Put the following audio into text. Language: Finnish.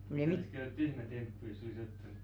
se olisi kyllä tyhmä temppu jos olisi ottanut